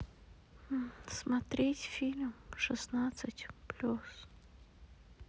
смотреть фильм шестнадцать плюс